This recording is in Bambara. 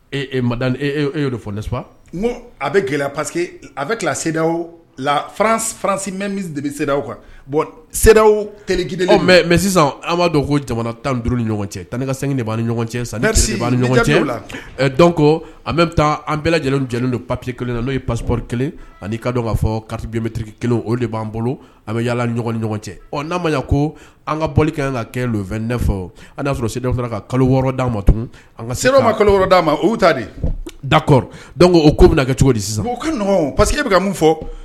Ma e' fɔ ne a bɛ gɛlɛya pa a bɛdasi de bɛ seda kanda mɛ sisan' dɔn ko jamana tan duuru ni ɲɔgɔn cɛ tan ne ka san ni ɲɔgɔn cɛ ni ɲɔgɔn cɛ an bɛ bɛ taa an bɛɛ lajɛlen jeliw don papi kelen na n'o ye paspri kelen ani'i ka dɔn k kaa fɔbibetiri kelen o de b'an bolo an bɛ yaala ɲɔgɔn ni ɲɔgɔn cɛ ɔ n'a ma ko an ka ka kan ka kɛ fɛn an'a sɔrɔ se ka kalo wɔɔrɔ d'a ma tun an se ma kalo wɔɔrɔ d'a ma ta de dakɔrɔ bɛna kɛ cogo di sisan ka pa que bɛ mun fɔ